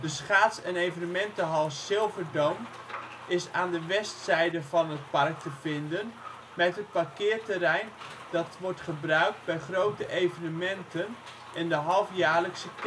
schaats - en evenementenhal Silverdome is aan de westzijde van het park te vinden met het parkeerterrein dat wordt gebruikt bij grote evenementen en de halfjaarlijkse kermis